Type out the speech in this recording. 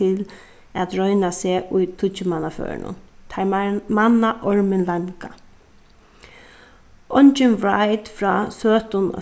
til at royna seg í tíggjumannaførunum teir manna ormin langa eingin frá søtum at